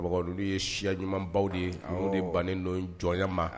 Mɔgɔ dun n'u ye siya ɲumanbaw de ye olu de bannen don jɔnya ma